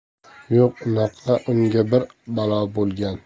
yo'q unga bir balo bo'lgan